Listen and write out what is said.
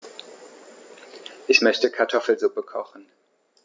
Ich möchte Kartoffelsuppe kochen.